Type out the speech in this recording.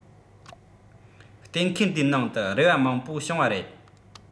གཏན འཁེལ འདིའི ནང དུ རེ བ མང པོ བྱུང བ རེད